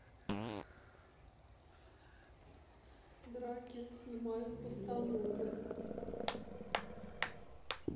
драки снимают постановы